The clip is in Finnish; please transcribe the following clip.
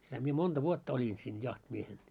sitä minä monta vuotta olin siinä jahtimiehenä